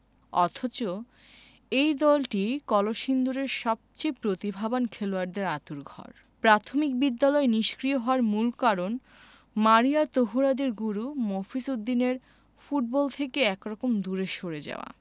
অথচ এই দলটিই কলসিন্দুরের সবচেয়ে প্রতিভাবান খেলোয়াড়দের আঁতুড়ঘর প্রাথমিক বিদ্যালয় নিষ্ক্রিয় হওয়ার মূল কারণ মারিয়া তহুরাদের গুরু মফিজ উদ্দিনের ফুটবল থেকে একরকম দূরে সরে যাওয়া